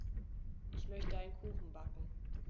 Ich möchte einen Kuchen backen.